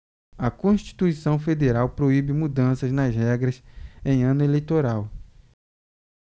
a constituição federal proíbe mudanças nas regras em ano eleitoral